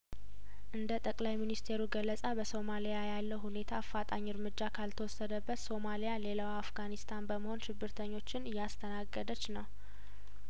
እንደ ጠቅላይ ሚንስቴሩ ገለጻ በሶማሊያ ያለው ሁኔታ አፋጣኝ እርምጃ ካል ተወሰደበት ሶማሊያ ሌላዋ አፍጋኒስታን በመሆን ሽብርተኞችን እያስተናገደች ነው